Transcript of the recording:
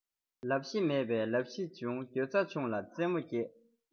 ལབ གཞི མེད པའི ལབ གཞི བྱུང གྱོད རྩ ཆུང ལ རྩེ མོ རྒྱས